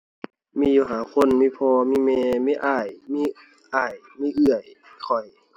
มีอยู่ห้าคน มีพ่อ มีแม่ มีอ้าย มี อ้าย มีเอื้อย ข้อย